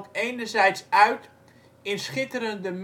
enerzijds uit in schitterende